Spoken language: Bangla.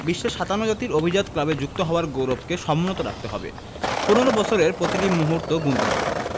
বিশ্বের ৫৭ জাতির অভিজাত ক্লাবে যুক্ত হওয়ার গৌরবকে সমুন্নত রাখতে হবে ১৫ বছরের প্রতিটি মুহূর্ত গুনতে হবে